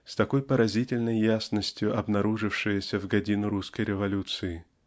с такой поразительной ясностью обнаружившаяся в годину русской революции.